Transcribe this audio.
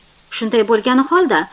shunday bo'lgani holda